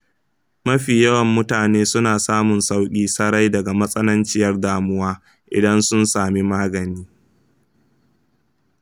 mafi yawan mutane suna samun sauƙi sarai daga matsananciyar damuwa idan sun sami magani.